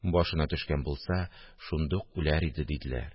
Башына төшкән булса, шунда ук үләр иде, диделәр